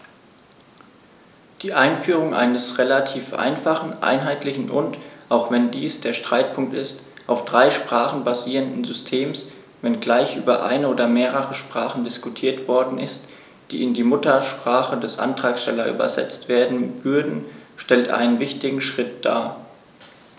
Die Einführung eines relativ einfachen, einheitlichen und - auch wenn dies der Streitpunkt ist - auf drei Sprachen basierenden Systems, wenngleich über eine oder mehrere Sprachen diskutiert worden ist, die in die Muttersprache des Antragstellers übersetzt werden würden, stellt einen wichtigen Schritt dar.